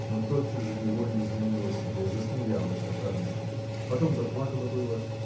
но тотчас же невольно изменила себе засмеялась от радости потом заплакала было